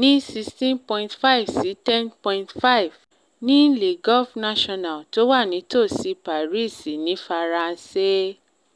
ní 16.5 sí 10.5 ní Le Golf National tó wà nítòsí Paris ní Faransé.